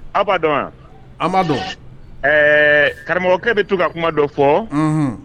Aw b'a dɔn wa ma dɔn ɛɛ karamɔgɔkɛ bɛ to ka kuma dɔ fɔ